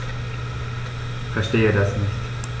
Verstehe das nicht.